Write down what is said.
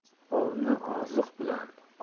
ovni oziq bilan